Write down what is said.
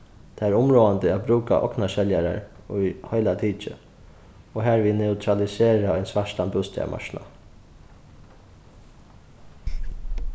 tað er umráðandi at brúka ognarseljarar í heila tikið og harvið neutralisera ein svartan bústaðarmarknað